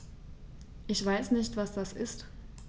Ich weiß nicht, was das ist.